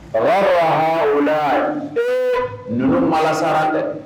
Ɔwɔɔ hawula, ninnu malasara dɛ!